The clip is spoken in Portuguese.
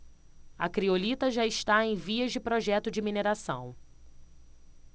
a criolita já está em vias de projeto de mineração